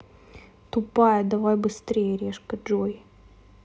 тупая давай быстрей решка джой